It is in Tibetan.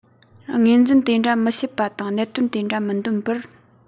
ངོས འཛིན དེ འདྲ མི བྱེད པ དང གནད དོན དེ འདྲ མི འདོན པར